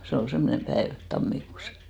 se oli semmoinen päivä tammikuussa